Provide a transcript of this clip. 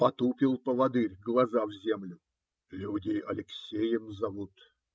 Потупил поводырь глаза в землю: - Люди Алексеем зовут.